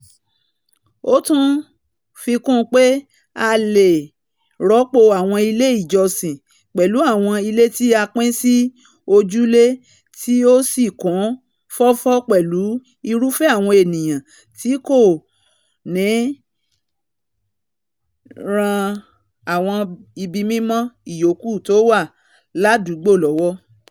ó tun fikún pè a lè rọpò àwọn ilé ìjọsìn pẹlu àwọn ile tí a pín sí ojúlé̀ tí ósì kún fọ́fọ́ pẹ̀lú irufẹ àwọn eniyan tí kòní ran àwọn ibi mimọ ìyókù tówà láàdúgbò lọwọ.